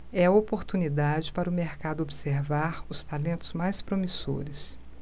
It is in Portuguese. é a oportunidade para o mercado observar os talentos mais promissores